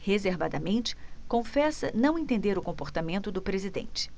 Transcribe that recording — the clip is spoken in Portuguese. reservadamente confessa não entender o comportamento do presidente